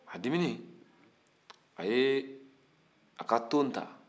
a diminen a ye a ka ton ta